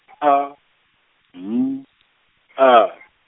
A M A .